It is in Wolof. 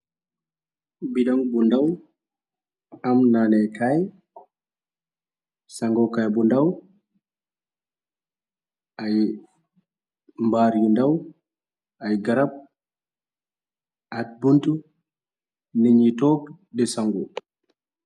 Bidoŋ bu ndaw am nane kaay sangokaay bu ndaw ay mbaar yu ndaw ay garab at bunt niñi toog di sangu.